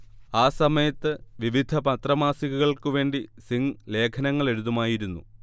ആ സമയത്ത് വിവിധ പത്രമാസികകൾക്കുവേണ്ടി സിംഗ് ലേഖനങ്ങളെഴുതുമായിരുന്നു